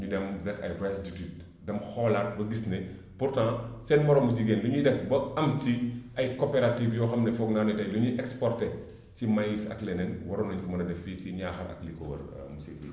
ñu dem vers ay voyage d' études dem xoolaat ba gis ne pourtant seen moroomu jigéen li ñuy def ba am ci ay coopératives yoo xam ne foog naa ne tay li ñuy exporté ci maïs ak ci leneen waroon nañ ko mën a def fii ci Niakhare ak li ko wër monsieur Diedhiou